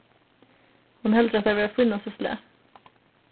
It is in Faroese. hon heldur hatta vera fínasta slag